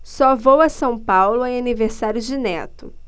só vou a são paulo em aniversário de neto